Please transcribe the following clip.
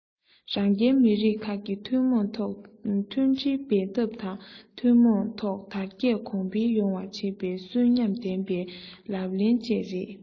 རང རྒྱལ མི རིགས ཁག གིས ཐུན མོང ཐོག མཐུན སྒྲིལ འབད འཐབ དང ཐུན མོང ཐོག དར རྒྱས གོང འཕེལ ཡོང བ བྱེད པའི གསོན ཉམས ལྡན པའི ལག ལེན བཅས རེད